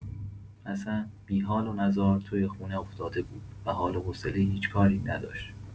حسن، بی‌حال و نزار توی خونه افتاده بود و حال و حوصله هیچ کاری نداشت.